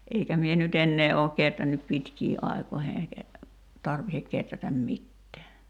eikä minä nyt enää ole kehrännyt pitkiin aikoihin eikä tarvitse kehrätä mitään